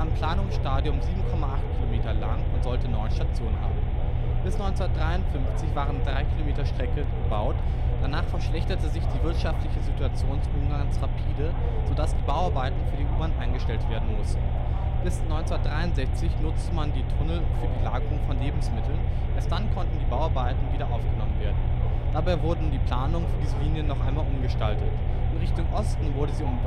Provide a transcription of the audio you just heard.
Planungsstadium 7,8 Kilometer lang und sollte neun Stationen haben. Bis 1953 waren drei Kilometer der Strecke gebaut, danach verschlechterte sich die wirtschaftliche Situation Ungarns rapide, sodass die Bauarbeiten für die U-Bahn eingestellt werden mussten. Bis 1963 nutzte man die Tunnel für die Lagerung von Lebensmitteln, erst dann konnten die Bauarbeiten wieder aufgenommen werden. Dabei wurden die Planungen für diese Linie noch einmal umgestaltet: In Richtung Osten wurde sie um zwei